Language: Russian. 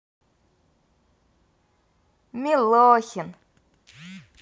милохин